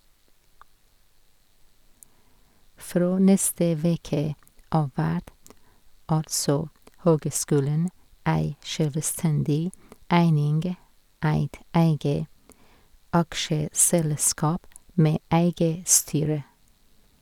Frå neste veke av vert altså høgskulen ei sjølvstendig eining, eit eige aksjeselskap med eige styre.